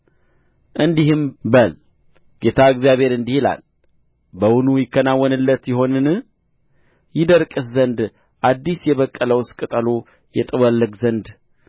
እንዲህም በል ጌታ እግዚአብሔር እንዲህ ይላል በውኑ ይከናወንለት ይሆንን ይደርቅስ ዘንድ አዲስ የበቀለውስ ቅጠሉ ይጠወልግ ዘንድ